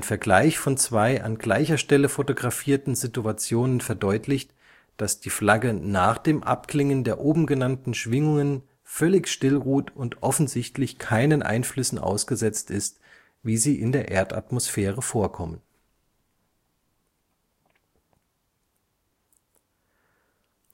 Vergleich von zwei an gleicher Stelle fotografierten Situationen verdeutlicht, dass die Flagge nach dem Abklingen der oben genannten Schwingungen/Vibrationen völlig still ruht und offensichtlich keinen Einflüssen ausgesetzt ist, wie sie in der Erdatmosphäre vorkommen.